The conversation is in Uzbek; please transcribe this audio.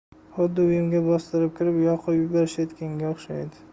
xuddi uyimga bostirib kirib yoqib yuborishayotganga o'xshaydi